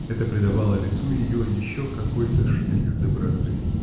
Это придавало лицу ее еще какой-то штрих доброты.